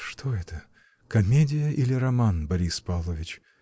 — Что это, комедия или роман, Борис Павлович?